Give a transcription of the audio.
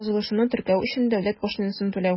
Язылышуны теркәү өчен дәүләт пошлинасын түләү.